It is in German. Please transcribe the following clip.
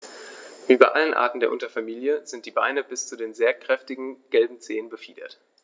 Wie bei allen Arten der Unterfamilie sind die Beine bis zu den sehr kräftigen gelben Zehen befiedert.